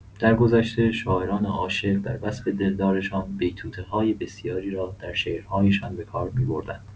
درگذشته، شاعران عاشق در وصف دلدارشان بیتوته‌های بسیاری را در شعرهایشان به کار می‌بردند.